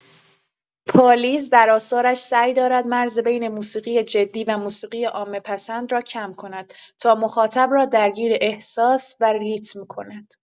پالیز در آثارش سعی دارد مرز بین موسیقی جدی و موسیقی عامه‌پسند را کم کند تا مخاطب را درگیر احساس و ریتم کند.